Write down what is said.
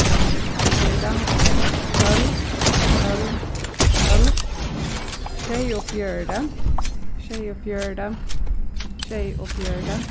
fýra tólv tólv tólv sjeyogfjøruti sjeyogfjøruti sjeyogfjøruti